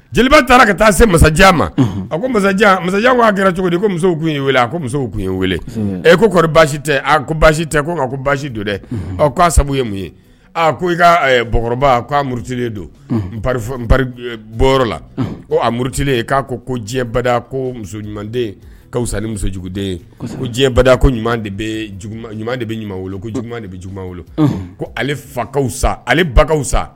Jeliba taara ka taa se masajan ma a ko masajan'a kɛra cogo di muso tun ye a ko muso tun ye weele ɛ koɔri basi tɛ a ko basi tɛ ko basi don dɛ k'a sabu ye mun ye aaa ko i kakɔrɔba ko murutilen don la ko a murutilen k'a ko ko diɲɛ ko ɲuman ka sa musojuguden ko diɲɛ ko ɲuman de ɲuman de bɛ ɲuman ko juma de bɛ juma ko ale fakaw sa ale ba sa